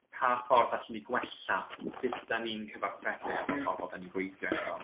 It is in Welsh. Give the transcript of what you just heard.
pa ffordd allen i gwella sut 'dan ni'n cyfarthrebu efo pobol 'dan ni'n gweithio hefo.